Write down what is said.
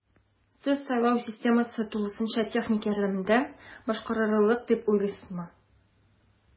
Сез сайлау системасы тулысынча техника ярдәмендә башкарарылыр дип уйлыйсызмы?